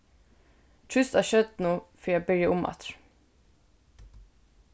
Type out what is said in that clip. trýst á stjørnu fyri at byrja umaftur